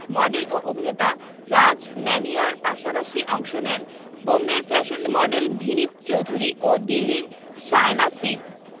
model ও অভিনেতা ও রাজ ম্যানিয়ার পাশাপাশি অংশ নেন বোম্বের ফ্যাশন মডেল ভিনিত চৌধুরী ও দিল্লির শায়না সিং